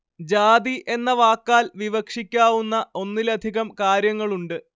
ജാതി എന്ന വാക്കാൽ വിവക്ഷിക്കാവുന്ന ഒന്നിലധികം കാര്യങ്ങളുണ്ട്